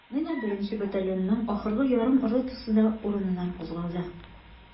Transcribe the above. Менә беренче батальонның ахыргы ярым ротасы да урыныннан кузгалды.